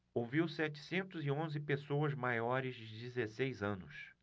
ouviu setecentos e onze pessoas maiores de dezesseis anos